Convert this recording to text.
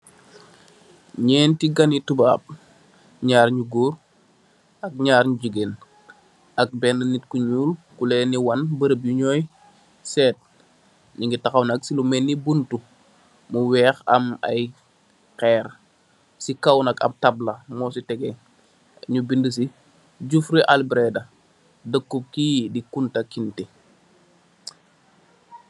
Nyenti ganni tubab, nyarr ñu goor ak nyarr ñu jigéen ak benn nitku ñuol. Ku len di wan beureub yiñ ñuy seet. Ñu ngi taxaw nak ci lu men ni buntu, mu weex am ay xeer. Ci kaw nak, ap tabla mo si teggeh, ñu bind ci Jufureh Albreda deukub ki di kunta kinteh.